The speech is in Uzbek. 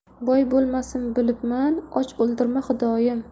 boy bo'lmasim bilibman och o'ldirma xudoyim